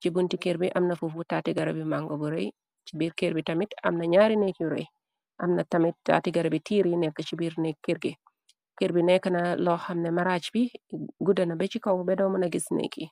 ci bunti kërr bi amna fuufu taatigara bi mango bu rëy ci biir kër bi tamit amna ñaari net yu rey amna tamit tatigara bi tiir yi nekk ci biir n kir gi kër bi nekk na loo xamne maraac bi guddana be ci kaw bedoomu na gis nekyi.